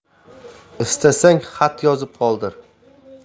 istasang xat yozib qoldir